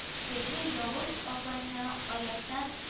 Теге явыз апайны аяктан